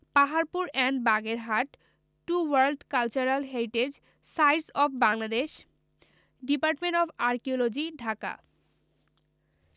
Paharpur and Bagerhat two world cultural heritage sites of Bangladesh department of archaeology Dhaka